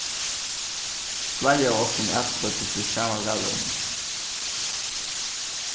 fleiri av okkum atkvøddu fyri sama valevninum